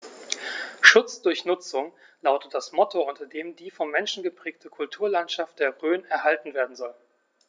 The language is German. „Schutz durch Nutzung“ lautet das Motto, unter dem die vom Menschen geprägte Kulturlandschaft der Rhön erhalten werden soll.